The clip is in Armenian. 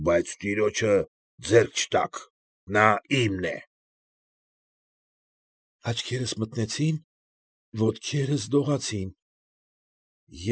Բայց տիրոջը ձեռք չտաք. նա իմն է… Աչքերս մթնեցին, ոտքերս դողացին։